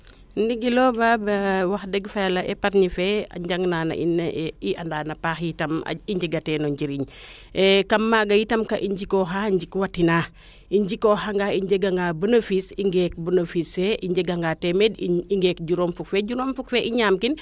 ndigilo baab wax deg fa yala epargne fee a jag naan a in i andaan a paax yit tam i njega teen o njiriñ kam maaga yitam kaa i njikoxa njikwa tina i njikooxa nga i njega nga benefice i ngeek benefice fee i njega nga teemeen i ngeek diuroom fuk fee juroom fuk fee i ñaam kin